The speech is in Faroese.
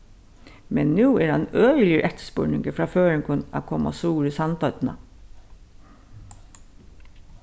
men nú er ein øgiligur eftirspurningur frá føroyingum at koma suður í sandoynna